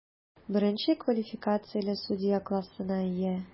Беренче квалификацияле судья классына ия.